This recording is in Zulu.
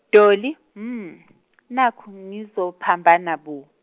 Dolly, mmm, nakhu ngizophambana bo.